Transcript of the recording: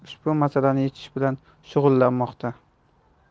ushbu masalani yechish bilan shug'ullanmoqda